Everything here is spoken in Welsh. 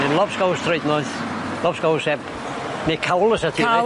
'Dyn lobsgows troednoeth, lobsgows heb, neu cawl fysa ti'n deud.